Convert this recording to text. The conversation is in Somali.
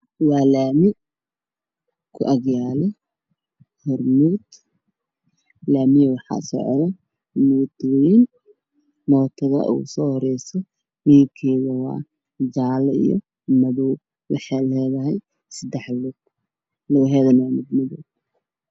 Waalami ku agyaalo hurmuud laamiga waxaa socdo mootooyin mootada usoo horeeso midabkeeda waa madoow lugaheedana waa mad madow